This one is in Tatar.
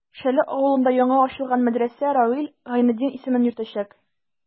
Шәле авылында яңа ачылган мәдрәсә Равил Гайнетдин исемен йөртәчәк.